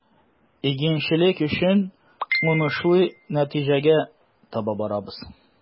Игенчелек өчен уңышлы нәтиҗәгә таба барабыз.